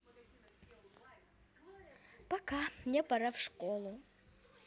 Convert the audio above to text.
пока мне пора школу